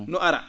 no ara